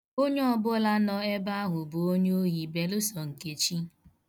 Onye ọbụla nọ ebe ahụ bụ onyeohi belụsọ Nkechi.